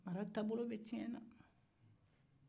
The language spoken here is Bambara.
mara taabolo bɛɛ tiɲɛna